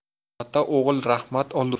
ota o'g'il rahmat olur